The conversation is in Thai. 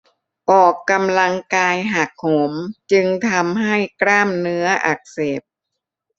ออกกำลังกายหักโหมจึงทำให้กล้ามเนื้ออักเสบ